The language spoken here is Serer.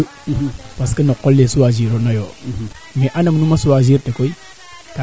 bo a jega solo pour pour o an gancac fu refna meete yeloor na